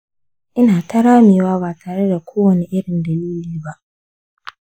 ina ta ramewa ba tare da kowane irin dalili ba.